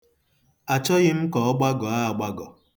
Achọghị m ka ọ gbagọọ agbagọ.